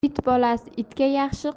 it bolasi itga yaxshi